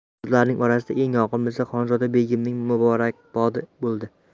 bu so'zlarning orasida eng yoqimlisi xonzoda begimning muborakbodi bo'ldi